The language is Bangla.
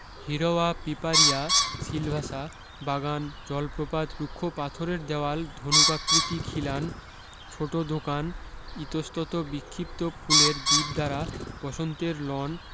হিরওয়া পিপারিয়া সিলভাসা বাগান জলপ্রপাত রুক্ষ পাথরের দেওয়াল ধনুকাকৃতি খিলান ছোট দোকান ইতস্তত বিক্ষিপ্ত ফুলের দ্বীপ দ্বারা বসন্তের লন